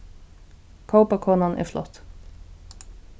kópakonan er flott